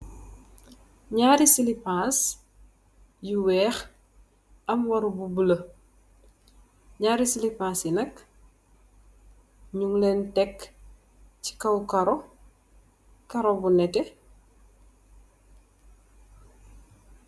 Ñaari silipàs yu wèèx am waru bu bula. Ñaari silipàs yi nak ñiñ lèèn tek ci kaw karó, karó bu netteh.